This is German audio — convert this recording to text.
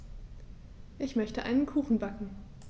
Ich möchte einen Kuchen backen.